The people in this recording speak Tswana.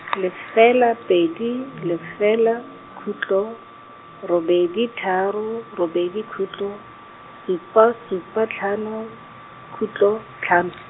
lefela pedi lefela khutlo, robedi tharo, robedi khutlo, supa supa tlhano, khutlo, tlhan- .